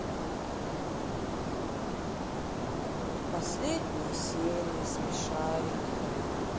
последние серии смешарики